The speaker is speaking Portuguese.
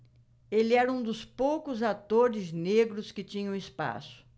ele era um dos poucos atores negros que tinham espaço